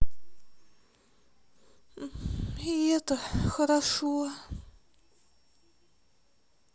и это хорошо